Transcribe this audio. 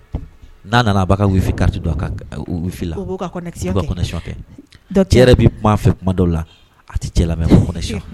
N'a nana b' ka kari n cɛ bɛ kuma fɛ kuma dɔw la a tɛ cɛɛ